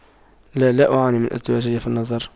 لا لا أعاني من ازدواجية في النظر